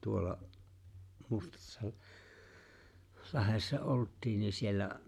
tuolla - Mustassalahdessa oltiin niin siellä